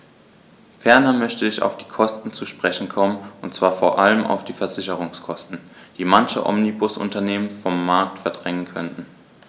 Ferner möchte ich auf die Kosten zu sprechen kommen, und zwar vor allem auf die Versicherungskosten, die manche Omnibusunternehmen vom Markt verdrängen könnten.